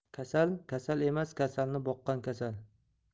kasal kasal emas kasalni boqqan kasal